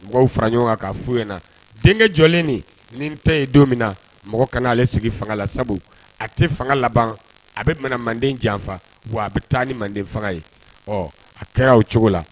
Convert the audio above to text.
Mɔgɔw fara ɲɔgɔn kan ka fɔy na denkɛ jɔlen ni tɛ yen don min na mɔgɔ kanaale sigi fangala sabu a tɛ fanga laban a bɛ manden janfa a bɛ taa ni manden fanga ye ɔ a kɛra o cogo la